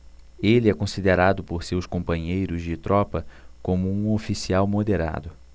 ele é considerado por seus companheiros de tropa como um oficial moderado